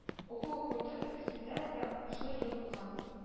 Уку-укыту өлкәсендә дә уңышлы ел булган